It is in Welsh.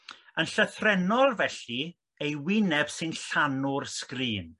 Yn llythrennol felly ei wyneb sy'n llanw'r sgrin.